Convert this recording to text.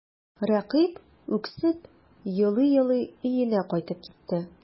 Рәкыйп үксеп елый-елый өенә кайтып китте.